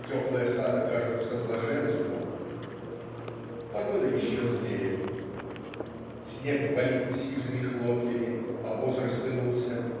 Теплая хата кажется блаженством. Погода еще злее. Снег валит сизыми хлопьями. обоз растянулся.